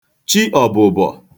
chi ọ̀bụ̀bọ̀